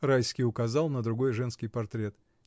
— Райский указал на другой женский портрет.